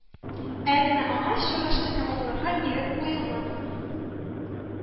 Әмма аңа чыгышын тәмамларга ирек куелмады